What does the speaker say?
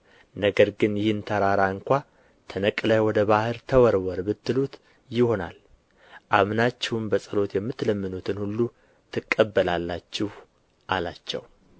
ነገር ግን ይህን ተራራ እንኳ ተነቅለህ ወደ ባሕር ተወርወር ብትሉት ይሆናል አምናችሁም በጸሎት የምትለምኑትን ሁሉ ትቀበላላችሁ አላቸው